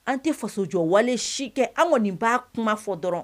An tɛ faso jɔwale si kɛ an kɔni nin ba kuma fɔ dɔrɔn